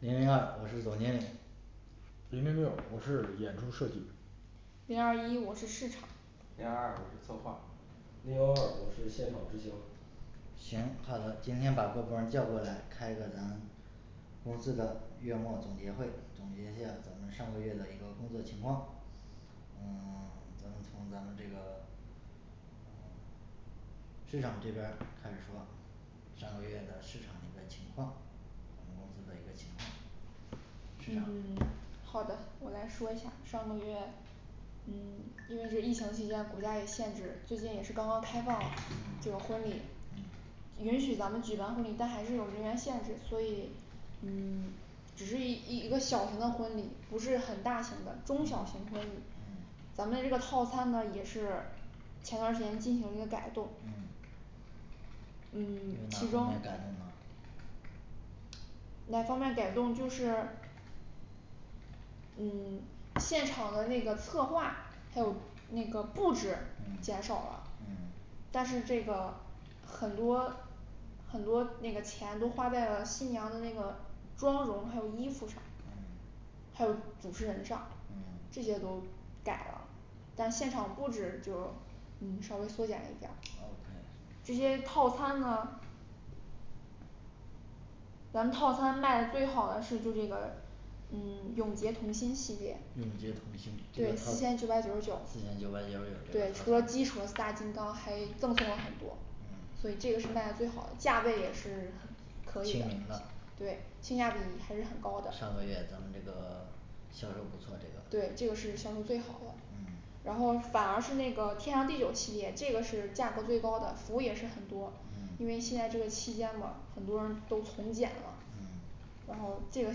零零二我是总经理零零六我是演出设计零二一我是市场零二二我是策划零幺二我是现场执行行，好的，今天吧各部门儿叫过来开个咱公司的月末总结会，总结一下儿咱们上个月的一个工作情况，呃 咱们从咱们这个市场这边儿开始说，上个月的市场一个情况，本公司的一个情况市场嗯 好的，我来说一下儿上个月嗯 因为这个疫情期间国家也限制，最近也是刚刚开放这个婚礼嗯允许咱们举办婚礼，但还是有人来限制，所以嗯 只是一一个小型的婚礼，不是很大型的中小型婚礼。咱们这个套餐呢也是前段儿时间进行一个改动，嗯嗯是，其哪中方面改动呢哪方面改动就是嗯 现场的那个策划还有那个布置嗯减少了嗯但是这个很多很多那个钱都花在了新娘的那个妆容，还有衣服上嗯还有主持人上，嗯这些都改了，但现场布置就嗯稍微缩减一点儿 O K 这些套餐呢咱们套餐卖的最好的是就这个嗯，永洁同心系列永结同心，，这个对套，四四千千九九百百九九十十九九，对除了基础的四大金刚还赠送了很多所以这个是卖的最好的价位也是嗯可以亲民的吧，，对，性价比还是很高的上个月咱们这个销售不错这个，嗯，嗯，嗯对，这个是销售最好的。嗯然后反而是那个天长地久系列，这个是价格最高的服务也是很多，嗯因为现在这个期间嘛很多人都从简了嗯然后这个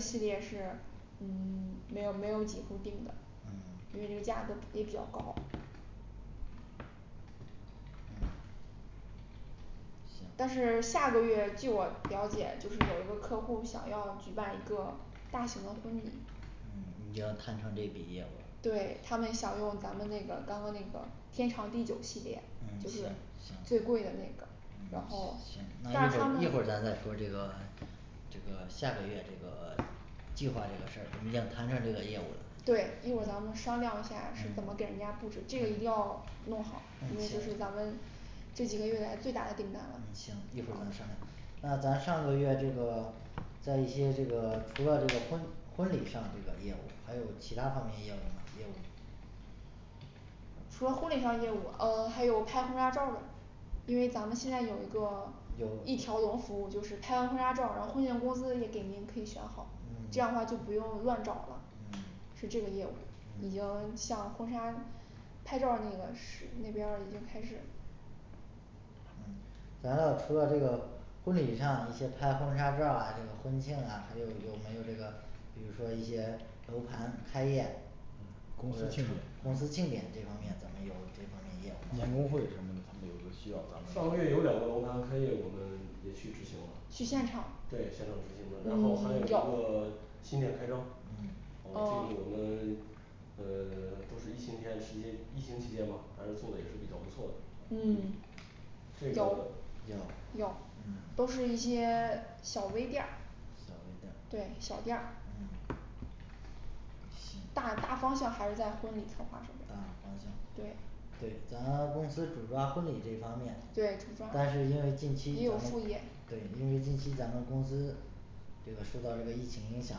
系列是嗯没有没有几户儿定的，因嗯为这个价格比 也比较高行但，是下个月据我了解，就是有一个客户儿想要举办一个大型的婚礼嗯已经谈成这笔业务了。对，他们想用咱们那个刚刚那个天长地久系列就嗯，是行，最行贵的那个，然行后行，那那一会他儿们一会儿咱再说这个这个下个月这个计划这个事儿，已经谈下这个业务了对，一会儿咱们商量一下儿是怎么给人家嗯布置，这个一定要弄好，因为这是咱们这几个月来最大的订嗯单了行，一会儿咱商量，那咱上个月这个在一些这个除了这个婚婚礼上这个业务，还有其他方面业务吗业务呃除了婚礼上业务，嗯，还有拍婚纱照儿的。因为咱们现在有一个一条有龙服务，就是拍完婚纱照儿，然后婚宴公司也给您可以选好这嗯样的话就不用乱找了是嗯这个业务，比较像婚纱拍照儿那个，是那边儿已经开始咱要除了这个婚礼上一些拍婚纱照儿啊这个婚庆啊还有有没有这个比如说一些楼盘开业婚公司庆，庆典这方面儿咱们有这方面业务员工吗会什么的有需要咱们上个月有两个楼盘开业我们也去执行了，去现场，对，现场执行的，然后嗯还有一 有个新店开张嗯呃，这呃个我们呃 都是疫情间期，疫情期间嘛，咱这儿做的也是比较不错的。嗯这个有有，嗯都是一些小微店儿小微店儿对，小店嗯儿行大大方向还是在婚礼策划什么的大方向，。对，对，咱们公司主抓婚礼这方面对主抓但是因为近，也期有咱，副业对，因为近期咱们公司这个受到这个疫情影响，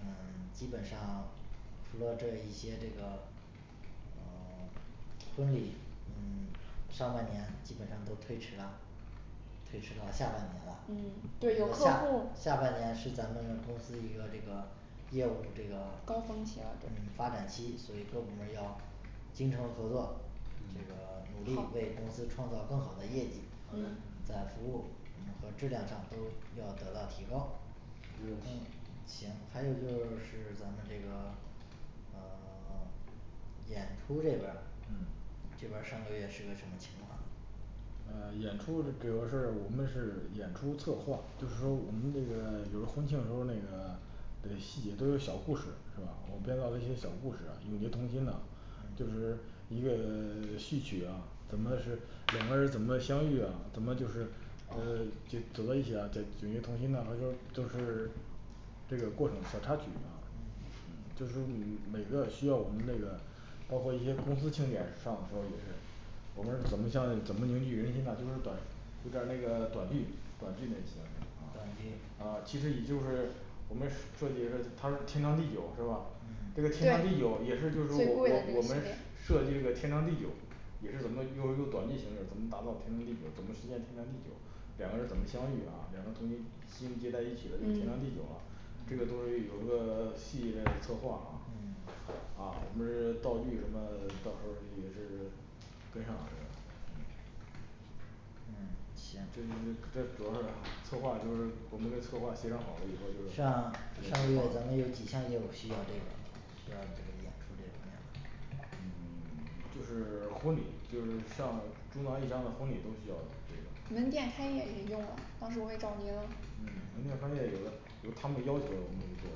嗯，基本上除了这一些这个呃 婚礼嗯，上半年基本上都推迟了推迟到下半年嗯，对有了。客下户儿下半年是咱们公司一个这个业务这个，高峰期嗯，发展期，所以各部门儿要精诚合作这个，努嗯力好为公司创造更好的业绩，可能好嗯的在服务和质量上都需要得到提高没呃问，题。行，还有就是咱们这个呃 演出这边儿嗯这边儿上个月是个什么情况嗯演出主要是我们是演出策划，就是说我们那个比如婚庆时候儿那个对，戏也都是小故事是吧？我们编造了一些小故事，永结同心呐。就是一个 戏曲呀怎么是两个人儿怎么相遇的，怎么就是呃这个这走到一起了，永结同心呐，这都是都是这个过程和插曲啊嗯，就是说每每个需要我们这个包括一些公司庆典上包括也是我们是怎么教育怎么凝聚人心啊，就是短，就找那个短句，短句子也行，啊。短句啊，其实也就是我们设计是它是天长地久是吧？这个天长嗯地对久也是就是说最我贵我的我们设计这个天长地久，也是怎么用用短句形式怎么打造天长地久，怎么实现天长地久两个人怎么相遇啊，两个同心结结在一起了那天长嗯地久啊，这个东西有一个细节策划啊，嗯啊我们是道具什么，到时候儿也是嗯跟上啊嗯嗯，这个这个行这主要是策划就是我们的策划协调好了以后，就是上上个月咱们就几项业务需要这个需要这个演出这方面吗嗯 就是婚礼就是像平常一样的婚礼都需要这个，门店开业也用过，当时我也找您了嗯，门店开业也他们的要求那个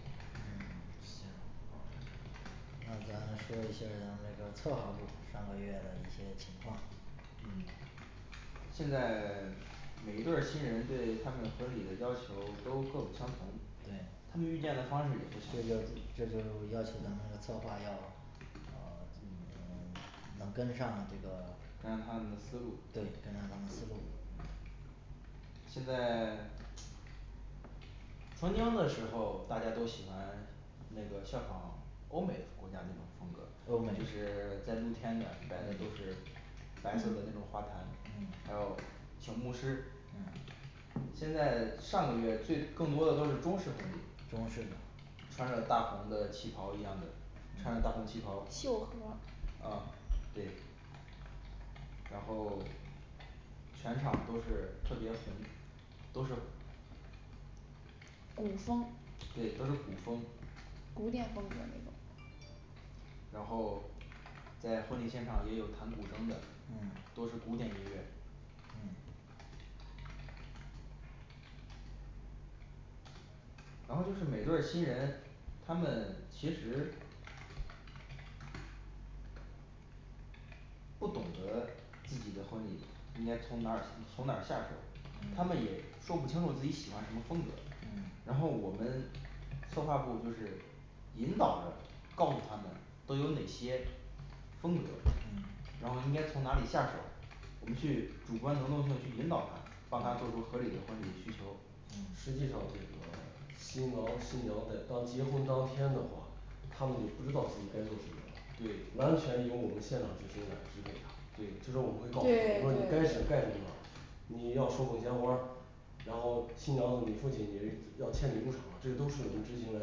嗯行那咱就是让那个策划部上个月的一些情况。嗯，现在每一对儿新人对他们婚礼的要求都各不相同，对他们遇见的方式也不这就相同，嗯这就要求咱们的策划要呃嗯 要跟上这个跟上他们的思路。对跟上他们的思路。嗯现在 曾经的时候儿大家都喜欢那个效仿欧美的国家那种风格欧美儿，就是在露天的摆的都是白色的嗯那种花坛，还有请牧师现嗯在上个月最更多的都是中式婚礼，中式的穿着大红的旗袍一样的穿着大红旗袍，秀禾呃对然后全场都是特别红，都是古风，对都是古风古典风格儿那种然后在婚礼现场也有弹古筝的嗯，都是古典音乐。嗯然后就是每对儿新人他们其实不懂得自己的婚礼应该从哪从哪下手，他们也说不清楚自己喜欢什么风格儿。嗯然后我们策划部就是引导着告诉他们都有哪些风格儿，然后嗯应该从哪里下手，我们去主观能动性去引导他，帮他做出合理的婚礼需求实际上这个新郎新娘在当结婚当天的话，他们就不知道自己该做什么，对完全由我们现场执行来支配他。就是对我对对对对会告诉他我说你该对干什么了，你要手捧鲜花儿然后新娘子你父亲你是要牵哪个手，这都是我们执行来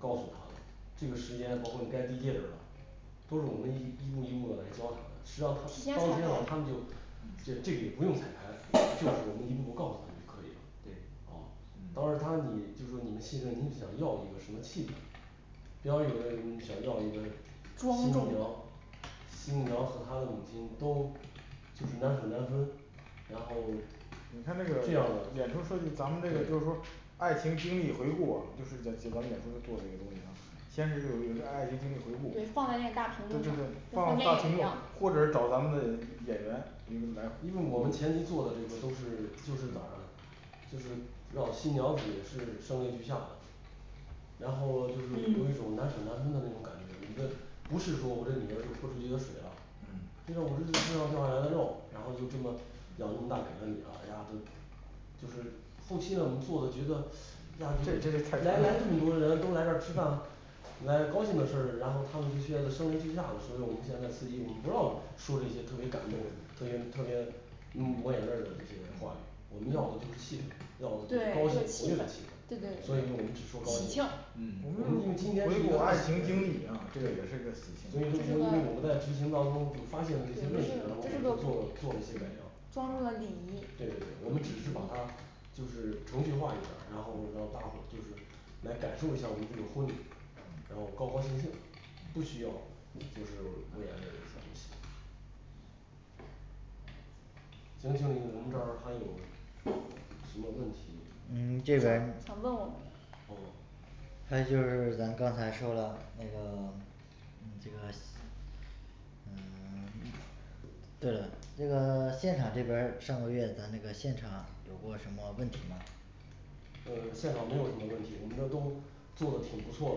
告诉她的这个时间包括你该递戒指了都是我们一一步一步来教他的，提只前要他彩当天我排他们就这这个也不用彩排，就是我们一步步告诉他就可以了，啊。当时对嗯他你就说你们新人你们想要一个什么气氛主要有的人想要一个庄新重娘的，新娘和她的母亲都就是难舍难分然后他这个这样，对演出设计，咱们这个就是说对爱情经历回顾，就是在主要也是做一个东西啊。先是有有这个爱情这个回顾，对对，对对，放放在那在个大大屏幕上跟看电屏影一幕样或者是找咱们的演员演因为我们前期做的这个都是就是咋儿啊就是让新娘子也是声泪俱下然后就是有嗯一种难舍难分的那种感觉，我觉得不是说我这女儿就是泼出去的水了，就在嗯我这身上掉下来的肉，然后就这么养这么大给了你了哎呀都就是后期了我们做的觉得呀就就来来这么多人都来这儿吃饭来高兴的事儿，然后他们就觉得声泪俱下的，所以我们现在司仪我们不要说这些特别感动，特别特别嗯抹眼泪儿的那些话语，我们要的就是气氛，要的就是对高兴活这跃个的气气氛对对氛，对所以我们只说高喜庆兴，嗯，我们今今天是一个大型的，对，所以说因为我们在执行当中就发现了这些问这题，然后我们就做做了一些是改个良庄重礼对对仪对我们只是把他就是程序化一点儿，然后让大伙儿就是来感受一下我们这个婚礼然后高高兴兴，不需要就是抹眼泪的那些东西行，经理我们这儿还有什么问题你们这边儿想问我们的？哦还有就是咱刚才说了那个 嗯，这个，嗯 这个这个现场这边儿上个月咱那个现场有过什么问题吗？呃现场没有什么问题，我们这儿都做的挺不错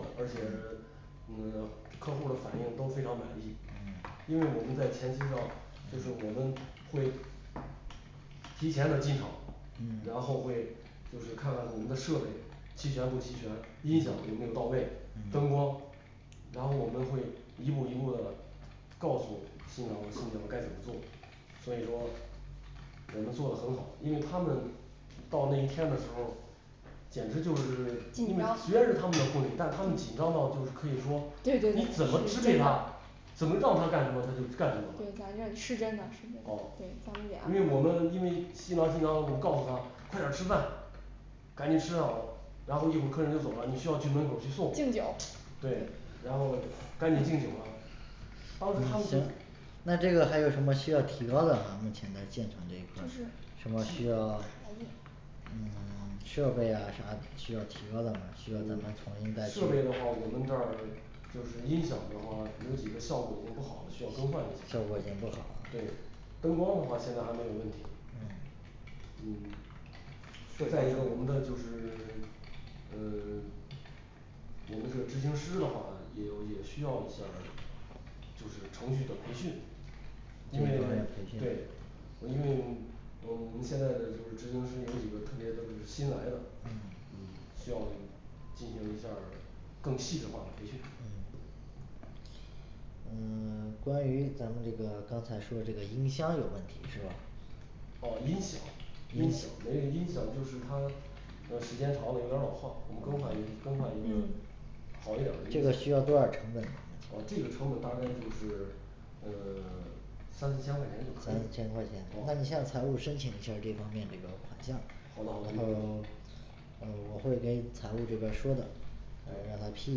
的，而且嗯客户儿的反应都非常满意。因嗯为我们在前期上就是我们会提前的进场，嗯然后会就是看看我们的设备齐全不齐全，音响有没有到位，灯嗯光，然后我们会一步一步的告诉新郎新娘该怎么做。所以说我们做的很好，因为他们到那一天的时候儿，简直就是因紧张虽然是他们的婚礼，但他们紧张到就是可以说对对你怎么对支配他，咱们让他干什么他就干什么对，反正，是真的是真，的哦，对，他们得，安因为我排们因为新郎新娘我告诉他快点儿吃饭赶紧吃啊，然后一会儿客人就走了，你需要去门口儿去送。敬酒对。然后赶紧敬酒了。当行时他们就行，那这个还有什么需要提高的吗？目前在进就场这一块儿是什么需要需嗯 设备呀啥需要提高的吗嗯，，需要咱们重新再去设，备的话我们这儿就是音响的话有几个效果已经不好了，需要更换一下效果已经不好了对灯光的话现在还没有问题，嗯嗯，再一个我们的就是呃， 我们的执行师的话也有也需要一下儿就是程序的培训，这因个方为面培对训因为我我们现在的就是执行师有几个特别都是新来的，嗯嗯，需要进行一下儿更细致化的培训嗯呃 关于咱们这个刚才说这个音响有问题是吧？啊，音响，音响没有，音响就是它呃时间长了有点儿老化，我们更换一更换一个嗯好一点儿的这音响，个需要多少成本？啊这个成本大概就是呃 三四千块钱就可以三了，四千块钱，那你啊，向财务申请一下这方面这个款项。好的，好的，没问题。呃我会跟财务这边儿说的。让对他批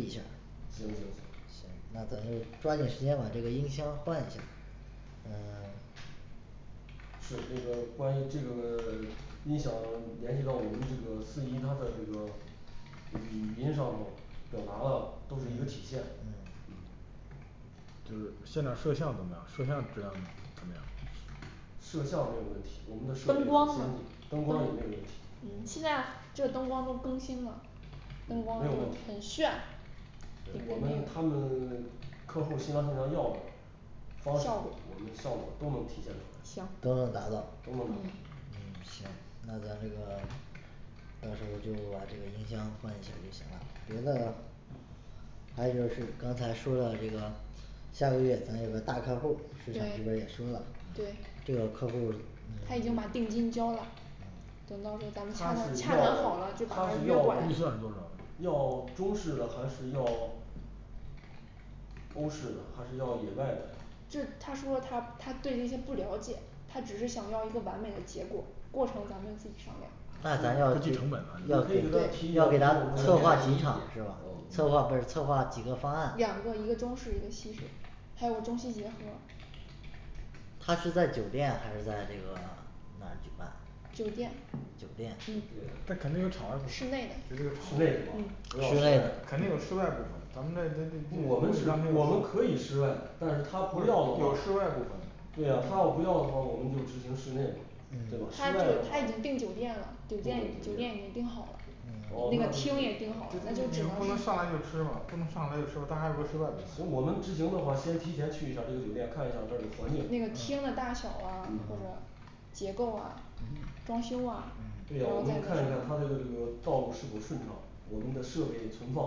一下行行行那咱就抓紧时间把这个音响换一下呃 是那个关于这个音响联系到我们这个司仪，他的这个语音上头表达的都是一个体现，嗯嗯就是现场摄像怎么着摄像有没有问题摄像没有问题，我们的设备灯很先光进，，灯光也没有问题，嗯，现在这个灯光都更新了没灯有光什么问题很炫对我们他们客户儿新郎新娘要的方式，效果，我们效果都能体现出行来，都都能能达达到到，嗯嗯行，那咱们这个到时候儿就把这个音响换换一下就行了，别的呢还有就是刚才说了这个下个月咱有个大客户儿市场这边儿也说了对对，这个客户儿他已经把定金交了等到时候儿咱们看看，洽谈好他是要他了就把他是约要过来。预算是多少要中式的还是要欧式的还是要野外的，这他说他他对这些不了解，他只是想要一个完美的结果过程咱们自己商量那咱要不要要不计成不本了你可以给他咱咱们给他提提一下要这给个他策划几意见场是是吧吧我们，呃策划不是策划几个方案，两个一个中式一个西式，还有中西结合他是在酒店还是在这个哪举办？酒店酒店，嗯室内的室内嗯，不要室室内外的肯定有室外这个，咱们在他呢我个，有们是我们可以室室外但是他不要的话外就行对呀，他要不要的话我们就执行室内嘛。对吧？室他外是的他话已经，订订酒酒店店了了，酒店酒店已经订好了哦，那个那就厅也订就好是，了，那就是只你能们，不能上来就吃吧，不能上来就吃吧，那还有个室外的，啊，啊，所以我们执行的话先提前去一下儿这个酒店，看一下那的环境，那个嗯厅的大小啊或者结构啊。 装修啊对呀我们看一看它这个这个道路是否顺畅，我们的设备存放，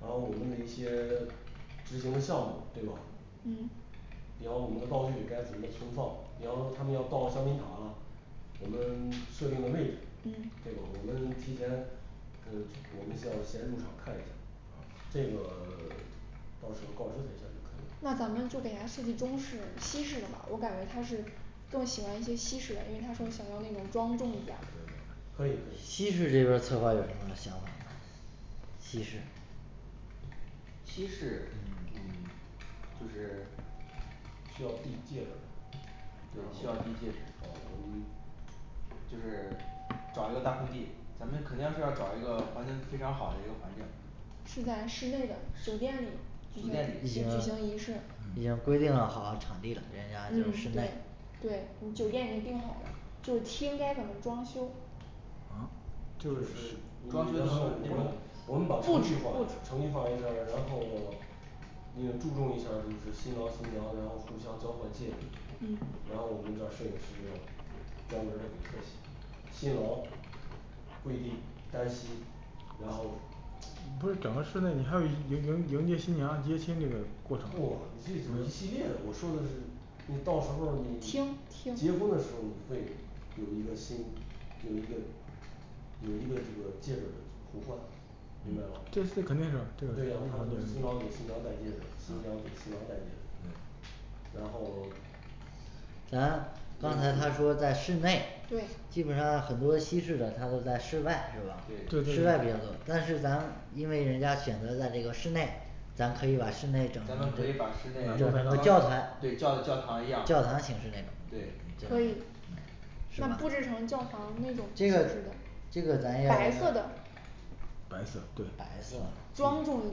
然后我们的一些执行的项目对吧？嗯比方我们的道具该怎么存放，比方说他们要倒香槟塔了我们设定的位置嗯对吧？我们提前呃我们想先入场看一看，这个 到时候儿告知他一下儿就可以了那咱们就给他设计中式，西式的吧我感觉他是更喜欢一些西式的，因为他说想要那种庄重一点儿，可以可以西式这边儿策划有什么想法儿吗？西式西式，嗯，就是需要递戒指。对，需要递戒指，啊，我们就是找一个大空地，咱们肯定是要找一个环境非常好的一个环境是在室的酒店里举酒店里已经行举行仪式，嗯，已对，对经规定了好场地了，人家就室内的。，嗯酒店已经订好了，就是厅该怎么装修就是然装修的话后我们我们把布程置序放一布下儿，置程序放一下儿然后你也注重一下儿就是新郎新娘，然后互相交换戒指，嗯然后我们找摄影师要专门儿的给特写，新郎跪地单膝然后，你不是找个室内的还有迎迎迎迎接新娘接亲这个过不，你程这种一系列的我说的是就到时候儿你结厅厅婚的时候儿会有一个新有一个有一个这个戒指的互换明白吗，对，这肯定是这呃肯定对是，呀，他就是新郎给新嗯娘戴戒指，新娘给新郎戴戒指然后，咱刚才约他束，说在室内，基对本上很多西式的它都在室外是吧对？室对外比较多对，但是咱因为人家选择在这个室内咱可以把室内整咱成们可以把，整成教堂，教堂室内装对教教堂一样形式那种对可以那布置成教堂那种具体的这个这个咱要白色的。白色，对，白色，庄重一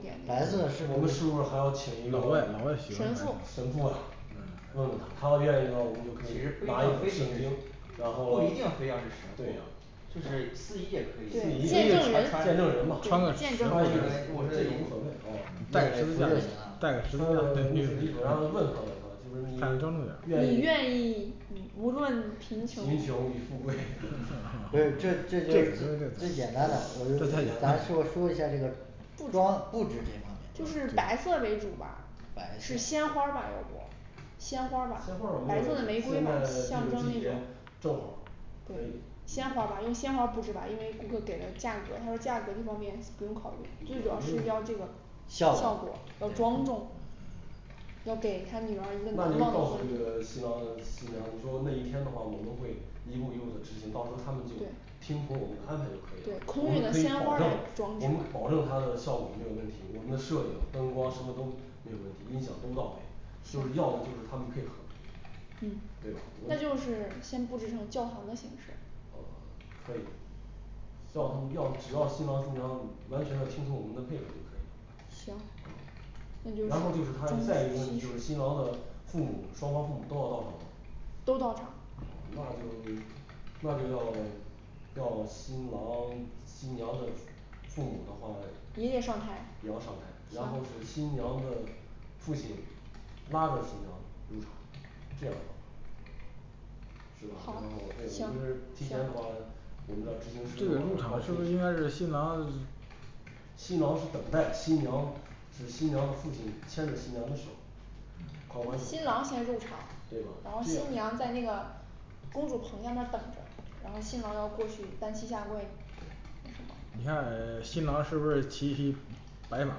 点的，白色我是不们是是不是还要请一个外貌外形神神父父啊，嗯问问他，他要愿意的话，我们就嗯可其实不以拿一一定本非圣得经，然是后不一定非对呀得要神父就是司仪也可司仪也可以见他他他们，如果以，证人，见证对人嘛，，见证人，，再指导一下再当然主要问他们啊，就是你你愿愿意意对无论贫贫穷穷与富贵，所以这这就是最最简对最简单单的，来说说一的下儿这个主要布置这方面，白色就是白色为主吧，白使色鲜花儿吧要不鲜花儿鲜花儿吧，白没有色的问题玫，现瑰在吧这象个征那季种节正好儿可以，鲜花儿吧用鲜花儿布置吧，因为顾客给的价格，他说价格这方面不用考虑，最嗯，主我要是们要要这个效效果果，对要庄重要给他女儿一个那难你忘告的诉，这个对新郎新娘，你说那一天的话我们会一步一步的执行，到时候儿他们就对听从我们的安排就可以对了，，我空运的们可以鲜花保儿来证装饰我吧们保证它的效果没有问题，我们的摄影灯光什么都没有问题，音响都到位，就是要的就是他们配合嗯对吧，饿那就哦是先布置成教堂的形式啊可以叫他们要只要新郎新娘完全的听从我们的配合就可行那以就了。啊，是然后就是他再一嗯个问题就是新郎的父母双方父母都要到场都到场，啊那就那就要要新郎新娘子父母的话爷爷上台也要上台，然后是行新娘的父亲拉着新娘入场这样是吧？ 然后好对我行们提前的话，我们的执行这师个的入话告场知不应一下该是新郎新郎是等待，新娘是新娘的父亲牵着新娘的手，挎挽手新郎先入场对，，然后新这样娘在那个公主从下边儿等着，然后新郎要过去单膝下跪呀你看新郎是不是骑一匹白马？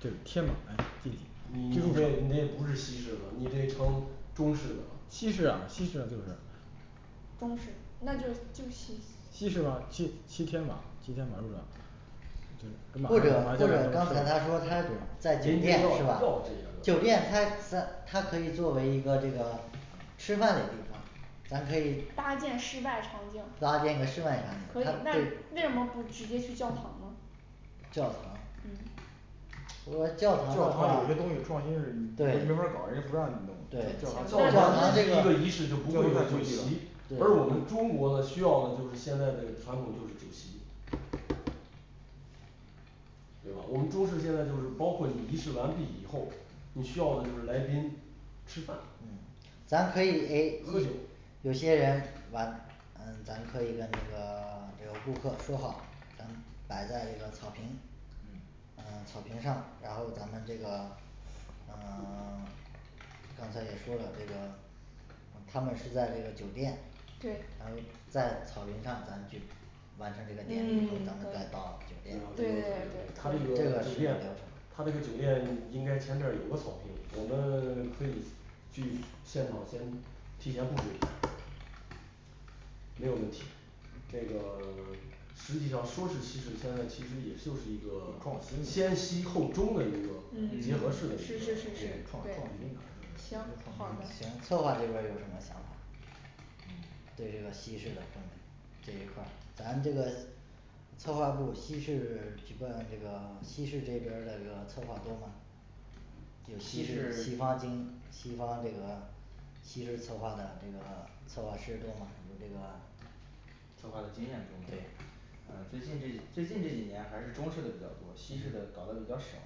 对天马，你你这你这不是西式的吧，你这成中式的了。西式啊，西式啊，就是中式，那就就是西西式嘛，骑骑天马骑天马入场或者或者刚才他说他在酒人家店要是吧要？这个酒店它咱它可以作为一个这个吃饭的地方儿咱可以搭建室外场景，搭建个室外可场以，景它，那对那怎么不直接去教堂呢？教堂，嗯我教教堂的堂话有些东西创新是没法儿对搞人家不让你用，对教行堂你那这咱们个仪式就不会有酒席，而我们对中国的需要的就是现在这个传统就是酒席对吧？我们中式现在就是包括你仪式完毕以后，你需要的就是来宾吃饭对咱可以诶喝，酒有些人玩，呃咱就可以跟那个就顾客说好，咱们摆在一个草坪，嗯呃草坪上，然后咱们这个呃 刚才也说了，这个呃他们是在这个酒店对，然后在草坪上咱去完成这个典礼嗯 以可后以，咱们再，到然后再到酒酒店对对对对，这店他对这个个酒是店个流程。他这个酒店应该前边儿有个草坪，我们可以去现场先提前布置一下，没有问题，这个 实际上说是西式现在其实也就是一个先西后中的一嗯，个结合式的一个，是是是是，对嗯，行好的行策划这边儿有什么想法儿嗯对这个西式的中这一块儿，咱这个策划部儿西式举办这个西式这边儿的这个策划多吗西就西式式西方经西方这个西式策划的这个策划师多吗咱们这个策划的经验多对吗，呃最近这最近这几年还是中式的比较多，西式的搞的比较少